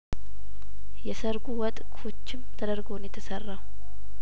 የሰርጉ ወጥ ኩችም ተደርጐ ነው የተሰራው